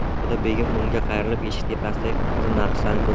xonzoda begim o'ngga qayrilib eshik tepasidagi qip qizil naqshlarni ko'rsatdi